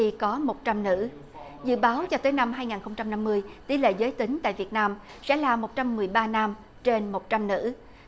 thì có một trăm nữ dự báo cho tới năm hai ngàn không trăm năm mươi tỷ lệ giới tính tại việt nam sẽ là một trăm mười ba nam trên một trăm nữ